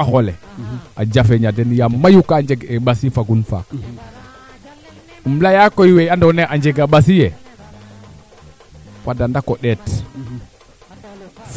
xayna maam ke in wala paap ke in no taxar ke a ndeto gun wala boo gen no lakas lakas mais no jamano feeke i ndef na kee ando naye tenr refu meteo a ref kaa ando naye